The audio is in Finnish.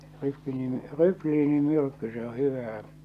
- rykniinimyrkky se on hyvää